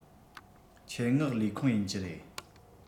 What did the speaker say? ཆེད མངགས ལས ཁུང ཡིན གྱི རེད